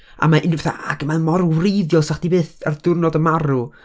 A ma' unrhyw fatha... Ag ma' mor wreiddiol, 'sa chdi byth, a'r diwrnod y marw.